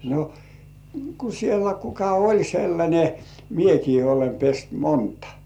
no kun siellä kuka oli sellainen minäkin olen pessyt monta